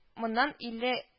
Моннан илле